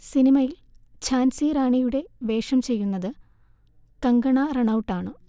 സിനിമയിൽ ഝാൻസി റാണിയുടെ വേഷം ചെയ്യുന്നത് കങ്കണ റണൗട്ടാണ്